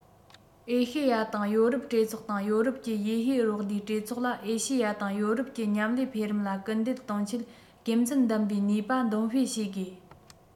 ཨེ ཤེ ཡ དང ཡོ རོབ གྲོས ཚོགས དང ཡོ རོབ ཀྱི དབྱི ཧུའེ རོགས ཟླའི གྲོས ཚོགས ལ ཨེ ཤེ ཡ དང ཡོ རོབ ཀྱི མཉམ ལས འཕེལ རིམ ལ སྐུལ འདེད གཏོང ཆེད དགེ མཚན ལྡན པའི ནུས པ འདོན སྤེལ བྱ དགོས